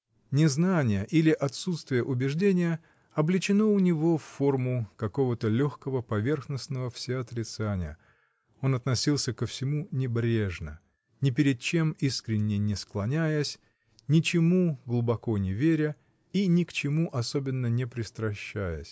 Незнание или отсутствие убеждения облечено у него в форму какого-то легкого, поверхностного всеотрицания: он относился ко всему небрежно, ни перед чем искренне не склоняясь, ничему глубоко не веря и ни к чему особенно не пристращаясь.